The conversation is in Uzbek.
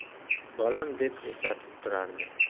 bolam deb eslatib turardi